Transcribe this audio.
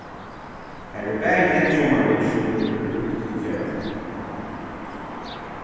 har eru bæði nógv summarhús sum kundu verið brúkt til ferðafólk